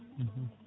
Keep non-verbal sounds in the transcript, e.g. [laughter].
[hesitation] [hesitation]